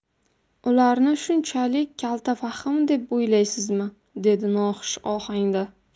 ularni shunchalik kaltafahm deb o'ylaysizmi dedi noxush ohangda